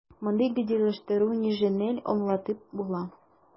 Мондый "гадиләштерү"не җиңел аңлатып була: